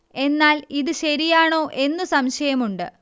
എന്നാൽ ഇത് ശരിയാണോ എന്നു സംശയമുണ്ട്